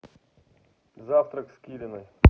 завтрак с килиной